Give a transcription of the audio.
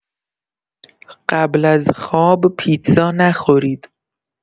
قبل از خواب پیتزا نخورید!